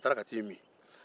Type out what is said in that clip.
a taara i min